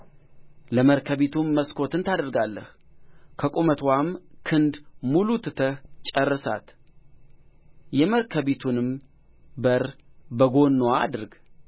እርስዋንም እንዲህ ታደርጋታለህ የመርከቢቱ ርዝመት ሦስት መቶ ክንድ ወርድዋ አምሳ ክንድ ከፍታዋ ሠላሳ ክንድ ይሁን